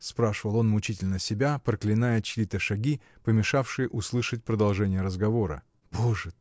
— спрашивал он мучительно себя, проклиная чьи-то шаги, помешавшие услышать продолжение разговора. — Боже!